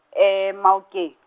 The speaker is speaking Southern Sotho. Maokeng.